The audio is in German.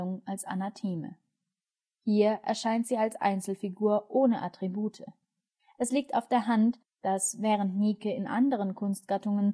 Hier erscheint sie als Einzelfigur ohne Attribute. Es liegt auf der Hand, dass während Nike in anderen Kunstgattungen fast ausschließlich anhand ihrer